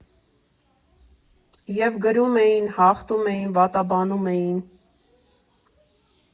Եվ գրում էին, ծաղրում էին, վատաբանում էին։